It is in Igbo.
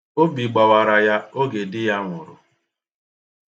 Obi gbawara ya oge di ya nwụrụ.